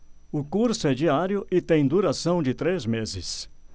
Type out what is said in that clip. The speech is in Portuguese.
o curso é diário e tem duração de três meses